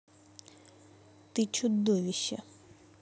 ты чудовище